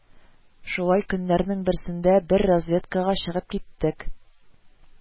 Шулай көннәрнең берсендә без разведкага чыгып киттек